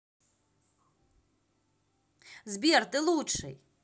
сбер ты лучший